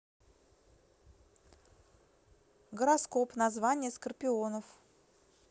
гороскоп название скорпионов